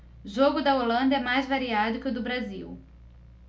jogo da holanda é mais variado que o do brasil